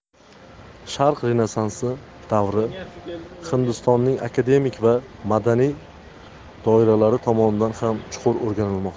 sharq renessansi davri hindistonning akademik va madaniy doiralari tomonidan ham chuqur o'rganilmoqda